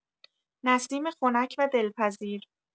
نسیم خنک و دلپذیر